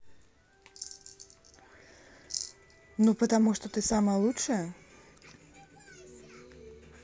ну потому что ты самое лучшее